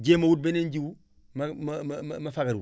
jéem a wut beneen jiwu ma ma ma ma ma fagaru